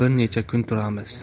bir necha kun turamiz